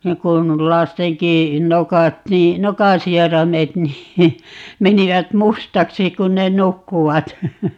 niin kuin lastenkin nokat niin nokan sieraimet niin menivät mustaksi kun ne nukkuivat